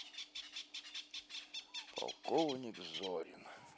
полковник зорин